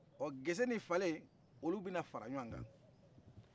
o gese ni fale olu bɛna fara ɲɔgɔnkan